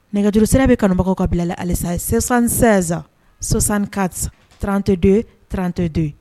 Nɛgɛjuru sira bɛ kanubagaw ka bilala alisa sɛsansɛsan sɔsan ka trante don trante don